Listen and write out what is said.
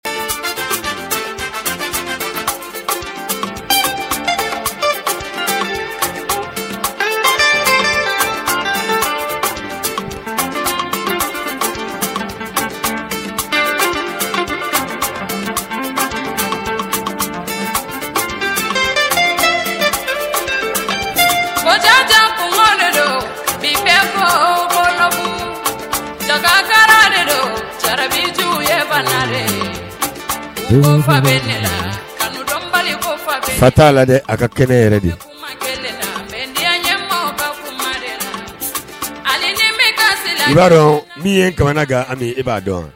Le don le don fa le fa fa t'a la dɛ a ka kɛnɛ yɛrɛ de le la min ye kamana kan ani i b'a dɔn